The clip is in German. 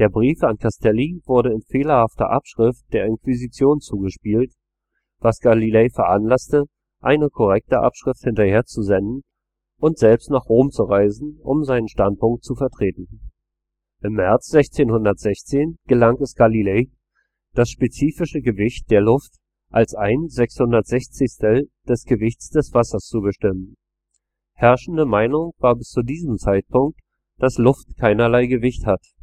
Brief an Castelli wurde in fehlerhafter Abschrift der Inquisition zugespielt, was Galilei veranlasste, eine korrekte Abschrift hinterherzusenden und selbst nach Rom zu reisen, um seinen Standpunkt zu vertreten. Im März 1614 gelang es Galilei, das spezifische Gewicht der Luft als ein 660stel des Gewichts des Wassers zu bestimmen – herrschende Meinung war bis zu diesem Zeitpunkt, dass Luft keinerlei Gewicht hat